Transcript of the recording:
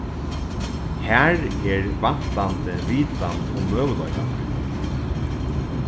har er vantandi vitan um møguleikarnar